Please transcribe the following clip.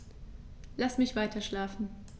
Lass mich weiterschlafen.